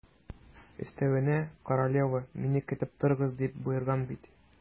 Өстәвенә, королева: «Мине көтеп торыгыз», - дип боерган бит.